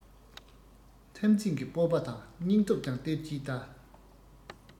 འཐབ འཛིང གི སྤོབས པ དང སྙིང སྟོབས ཀྱང སྟེར གྱིན གདའ